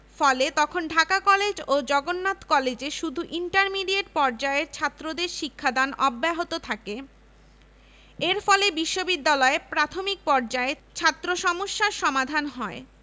ওই বছর পূর্ববাংলার শিক্ষা অর্ডিন্যান্স ঢাকা বিশ্ববিদ্যালয়ের আবাসিক কাম শিক্ষা ব্যবস্থার সঙ্গে কলেজ অধিভুক্তির এখতিয়ার যুক্ত করলে কলকাতা বিশ্ববিদ্যালয়ের অধীন ৫৫টি কলেজের